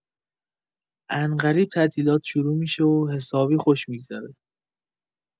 عنقریب تعطیلات شروع می‌شه و حسابی خوش می‌گذره.